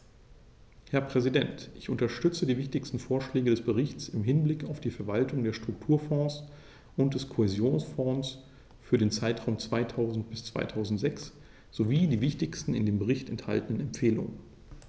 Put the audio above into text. Herr Präsident, ich unterstütze die wichtigsten Vorschläge des Berichts im Hinblick auf die Verwaltung der Strukturfonds und des Kohäsionsfonds für den Zeitraum 2000-2006 sowie die wichtigsten in dem Bericht enthaltenen Empfehlungen.